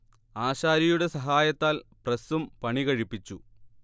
ആശാരിയുടെ സഹായത്താൽ പ്രസ്സും പണികഴിപ്പിച്ചു